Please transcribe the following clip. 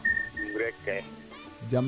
im rek kay